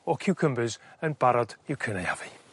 o ciwcymbyrs yn barod i'w cynaeafu.